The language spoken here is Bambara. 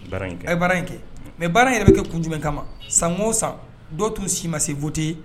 Bara in ye baara in kɛ mɛ baara in yɛrɛ bɛ kɛ kun jumɛn kama san oo san dɔ tun si ma sette